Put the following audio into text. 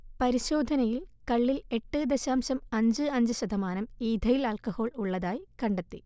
പരിശോധനയിൽ കള്ളിൽ എട്ട് ദശാംശം അഞ്ച് അഞ്ച് ശതമാനം ഈഥൈൽ അൽക്കഹോൾ ഉള്ളതായി കണ്ടെത്തി